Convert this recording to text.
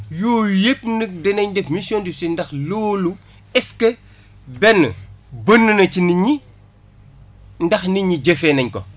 yooyu yëpp nag danañ def mission de suivie ndax loolu est ce que benn bëri na ci nit ñindax nit ñi jëfee nañ ko